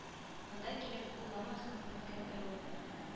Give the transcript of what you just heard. Монда килеп уламасаң беткәндер урын